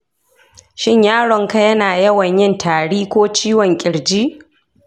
shin yaronka yana yawan yin tari ko ciwon ƙirji?